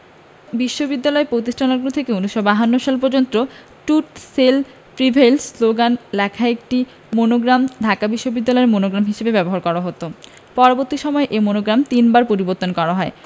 বিশ্ববিদ্যালয় প্রতিষ্ঠালগ্ন থেকে ১৯৫২ সাল পর্যন্ত ট্রুত শেল প্রিভেইল শ্লোগান লেখা একটি মনোগ্রাম ঢাকা বিশ্ববিদ্যালয়ের মনোগ্রাম হিসেবে ব্যবহার করা হতো পরবর্তী সময়ে এ মনোগ্রাম তিনবার পরিবর্তন করা হয়